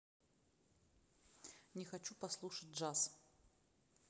не хочу послушать джаз